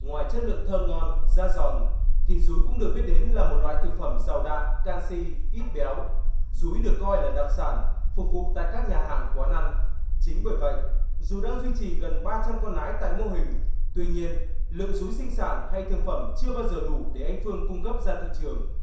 ngoài chất lượng thơm ngon da giòn thịt dúi cũng được biết đến là một loại thực phẩm giàu đạm can xi ít béo dúi được coi là đặc sản phục vụ tại các nhà hàng quán ăn chính bởi vậy dúi đang duy trì gần ba trăm con nái tại mô hình tuy nhiên lượng dúi sinh sản hay thương phẩm chưa bao giờ đủ để anh phương cung cấp ra thị trường